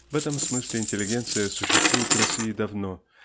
В этом смысле интеллигенция существует в России давно